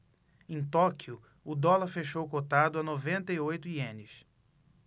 em tóquio o dólar fechou cotado a noventa e oito ienes